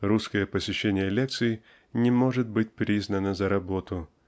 русское посещение лекций не может быть признано за работу